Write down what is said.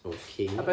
okay